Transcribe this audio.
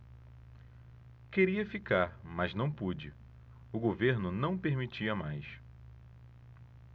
queria ficar mas não pude o governo não permitia mais